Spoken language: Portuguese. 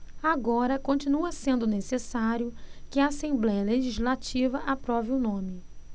agora continua sendo necessário que a assembléia legislativa aprove o nome